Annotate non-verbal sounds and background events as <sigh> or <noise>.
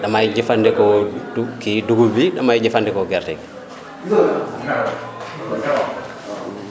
damay jafandikoo du kii dugub bi damay jafandikoo gerte gi <crosstalk>